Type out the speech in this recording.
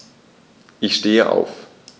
Ich stehe auf.